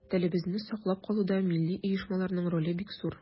Телебезне саклап калуда милли оешмаларның роле бик зур.